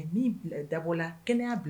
' dabɔ la kɛnɛya'a bila